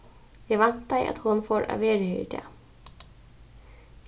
eg væntaði at hon fór at verða her í dag